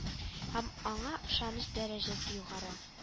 Һәм аңа ышаныч дәрәҗәсе югары